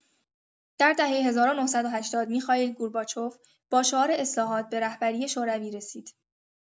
در دهه ۱۹۸۰ میخائیل گورباچف با شعار اصلاحات به رهبری شوروی رسید.